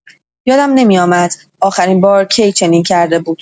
یادم نمی‌آمد آخرین‌بار کی چنین کرده بود.